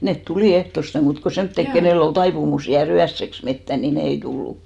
ne tuli ehtoosti muut kuin semmoiset kenellä oli taipumus jäädä yöksi metsään niin ne ei tullut